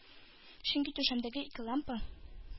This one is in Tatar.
Чөнки түшәмдәге ике лампа